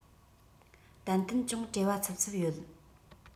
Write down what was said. ཏན ཏན ཅུང བྲེལ བ འཚུབ འཚུབ ཡོད